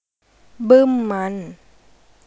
บึ้ม